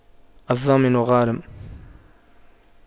الضامن غارم